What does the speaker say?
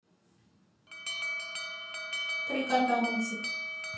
три кота мультик